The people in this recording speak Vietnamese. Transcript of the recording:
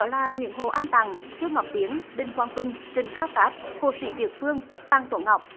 đó là nguyễn hồ anh tặng trương ngọc tiếng đinh quang vinh trịnh cao pháp hồ sỹ việt vương phan tuấn ngọc